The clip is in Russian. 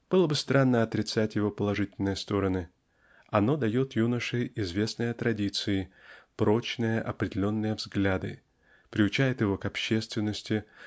Было бы странно отрицать его положительные стороны. Оно дает юноше известные традиции прочные определенные взгляды приучает его к общественности